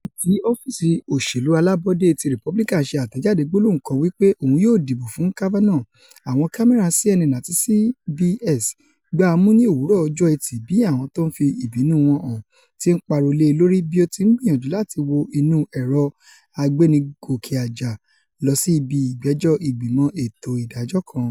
Lẹ́yìn tí ọ́fíìsì òṣèlú alábọ́dé ti Republican ṣe àtẹ̀jáde gbólóhùn kan wí pé òun yóò dìbò fún Kavanaugh, àwọn kámẹ́rà CNN àti CBS gbá a mú ní òwúrọ̀ ọjọ́ Ẹtì bí àwọn tó ń fì ìbínú wọn hàn ti ń pariwo lé e lórí bí ó ti ń gbiyanju láti wọ inú ẹ̀rọ agbénigòke-àjà lọ́si ibi ìgbéjọ́ Ìgbìmọ̀ Ètò Ìdájọ́ kan.